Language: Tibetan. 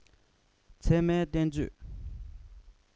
ཚད མའི བསྟན བཅོས